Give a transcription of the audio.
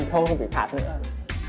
không không bị phạt nữa